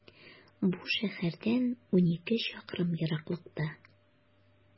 Бу шәһәрдән унике чакрым ераклыкта.